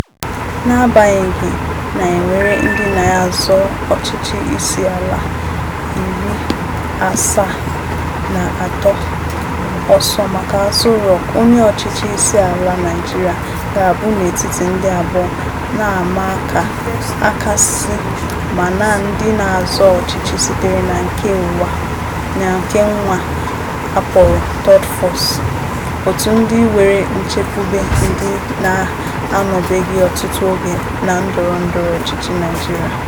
Na-agbanyeghị na e nwere ndị na-azọ ọchịchị isi ala 73, ọsọ maka Aso Rock — oche ọchịchị isi ala Naịjirịa — ga-abụ n'etiti ndị abụọ na-ama aka a kasị maa na ndị na-azọ ọchịchị sitere na nke nwa a kpọrọ "third force", òtù ndị nwere nchekwube ndị na-anọbeghị ọtụtụ oge na ndọrọ ndọrọ ọchịchị naijirịa.